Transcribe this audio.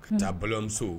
Ka taa balimamuso